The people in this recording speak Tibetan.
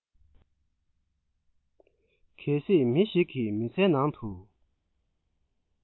གལ སྲིད མི ཞིག གི མི ཚེའི ནང དུ